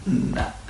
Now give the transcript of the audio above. Na.